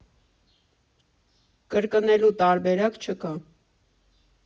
Կրկնվելու տարբերակ չկա։